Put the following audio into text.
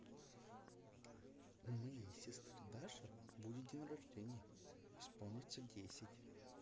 у моей сестры даша будет день рождения исполнится десять